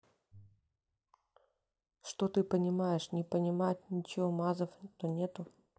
что ты понимаешь не понимать ничего мазов то нету